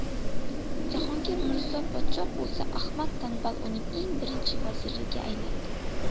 jahongir mirzo podshoh bo'lsa ahmad tanbal uning eng birinchi vaziriga aylanadi